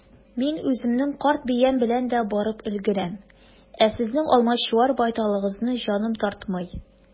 Мин үземнең карт биям белән дә барып өлгерәм, ә сезнең алмачуар байталыгызны җаным тартмый.